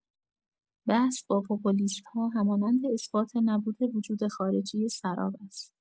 بحث با پوپولیست‌ها، همانند اثبات نبود وجود خارجی، سراب است.